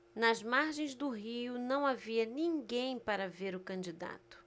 nas margens do rio não havia ninguém para ver o candidato